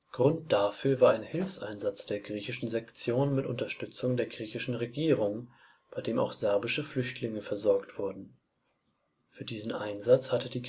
Grund dafür war ein Hilfseinsatz der griechischen Sektion mit Unterstützung der griechischen Regierung, bei dem auch serbische Flüchtlinge versorgt wurden. Für diesen Einsatz hatte die